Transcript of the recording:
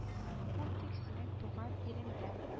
Ул тик синең туган иреңдә